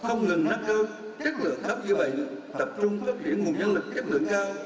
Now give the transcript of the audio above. không ngừng nâng cao chất lượng khám chữa bệnh tập trung phát triển nguồn nhân lực chất lượng cao